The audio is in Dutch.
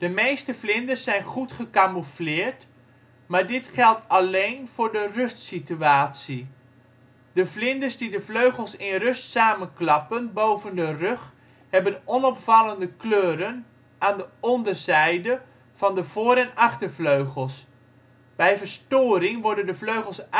meeste vlinders zijn goed gecamoufleerd maar dit geldt alleen voor de rustsituatie; de vlinders die de vleugels in rust samenklappen boven de rug hebben onopvallende kleuren aan de onderzijde van de voor - en achtervleugels. Bij verstoring worden de vleugels uitgeklapt